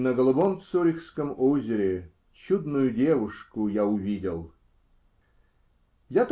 (На голубом цюрихском озере / Чудную девушку я увидел (нем. , диал. ).